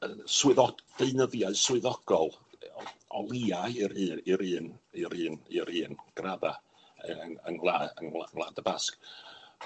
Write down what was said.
yy swyddog deunyddiau swyddogol yy o lia i'r un i'r un i'r un i'r un gradda yy yng yng ngwlad yng ngwla- gwlad y Basg.